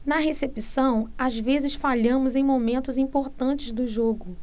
na recepção às vezes falhamos em momentos importantes do jogo